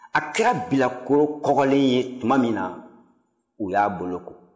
a kɛra bilakoro kɔrɔlen ye tuma min na u y'a boloko